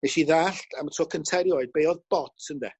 nesh i ddall' am y to cynta erioed be' o'dd bots ynde.